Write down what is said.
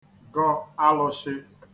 gọ alụ̄shị̄